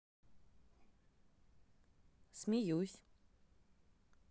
смеюсь